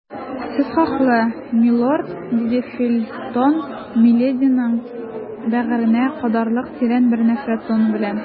Сез хаклы, милорд, - диде Фельтон милединың бәгыренә кадалырлык тирән бер нәфрәт тоны белән.